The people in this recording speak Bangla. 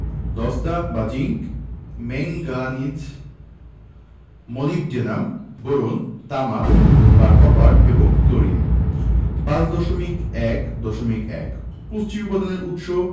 দস্তা বা জিংক ম্যাংগানিজ মোলিবডেনাম বোরন তামা বা কপার এবং ক্লোরিন 5.1.1 পুষ্টি উপাদানের উৎস